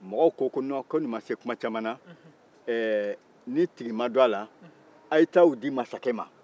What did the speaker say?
mɔgɔw ko nin ma se kuma caman na ni tigi ma dɔn u la a ye taa u di masakɛ ma